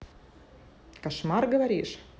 кошмар говоришь